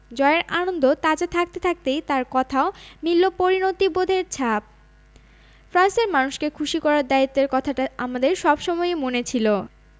জয়ের আনন্দ তাজা থাকতে থাকতেই তাঁর কথাও মিলল পরিণতিবোধের ছাপ ফ্রান্সের মানুষকে খুশি করার দায়িত্বের কথাটা আমাদের সব সময়ই মনে ছিল